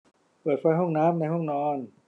เปิดไฟห้องน้ำในห้องนอน